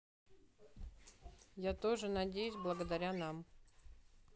я тоже надеюсь благодаря нам